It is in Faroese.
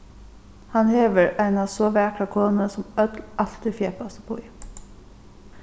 hann hevur eina so vakra konu sum øll altíð fjeppast uppí